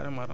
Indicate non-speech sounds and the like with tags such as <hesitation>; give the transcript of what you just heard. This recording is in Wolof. <hesitation> <hesitation>